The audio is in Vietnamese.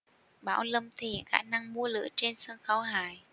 bảo lâm thể hiện khả năng múa lửa trên sân khấu hài